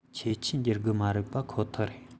ཁྱད ཆོས འགྱུར གི མ རེད པ ཁོ ཐག རེད